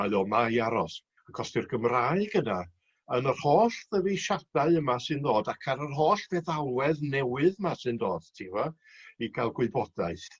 mae o 'ma i aros. Ac os 'di'r Gymraeg yna yn yr holl ddyfeisiadau yma sy'n ddod ac ar yr holl feddalwedd newydd 'ma sy'n dod ti gwbo i ga'l gwybodaeth